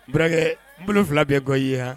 N burankɛ n bolo fila bi n kɔ i ye han?